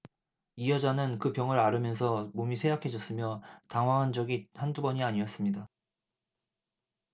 이 여자는 그 병을 앓으면서 몸이 쇠약해졌으며 당황한 적이 한두 번이 아니었습니다